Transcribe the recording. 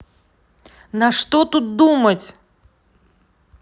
на что тут думать